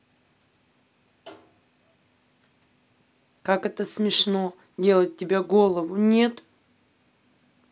как это смешно делать тебя голову нет